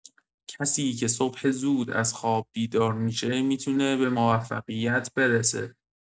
کسی که صبح زود از خواب بیدار می‌شه می‌تونه به موفقیت برسه.